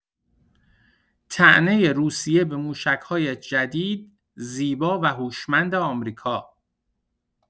طعنه روسیه به موشک‌های جدید، زیبا و هوشمند آمریکا!